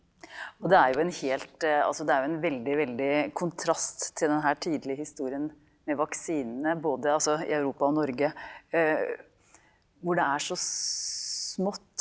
og det er jo en helt altså det er jo en veldig veldig kontrast til den her tydelige historien med vaksinene både altså i Europa og Norge hvor det er så smått.